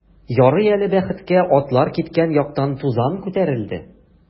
Ярый әле, бәхеткә, атлар киткән яктан тузан күтәрелде.